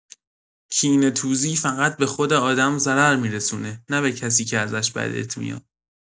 کینه‌توزی فقط به خود آدم ضرر می‌رسونه، نه به کسی که ازش بدت میاد.